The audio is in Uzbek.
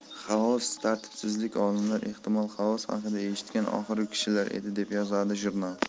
xaos tartibsizlik olimlar ehtimol xaos haqida eshitgan oxirgi kishilar edi deb yozadi jurnal